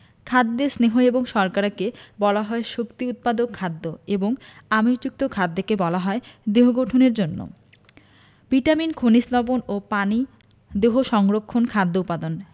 খাদ্যের স্নেহ এবং শর্করাকে বলা হয় শক্তি উৎপাদক খাদ্য এবং আমিষযুক্ত খাদ্যকে বলা হয় দেহ গঠনের খাদ্য ভিটামিন খনিজ লবন ও পানি দেহ সংরক্ষক খাদ্য উপাদান